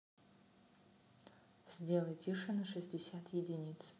сделай тише на шестьдесят единиц